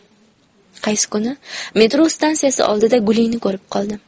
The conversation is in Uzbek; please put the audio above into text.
qaysi kuni metro stansiyasi oldida gulini ko'rib qoldim